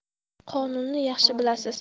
qonunni yaxshi bilasiz